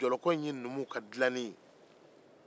jɔlɔkɔin ye numuw ka dilalen ye